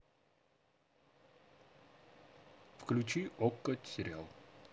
включи окко сериал